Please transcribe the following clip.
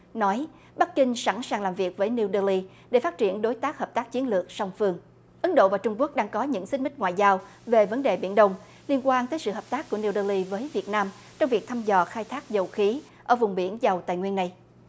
nói bắc kinh sẵn sàng làm việc với niu đê li để phát triển đối tác hợp tác chiến lược song phương ấn độ và trung quốc đang có những xích mích ngoại giao về vấn đề biển đông liên quan tới sự hợp tác của niu đê li với việt nam trong việc thăm dò khai thác dầu khí ở vùng biển giàu tài nguyên này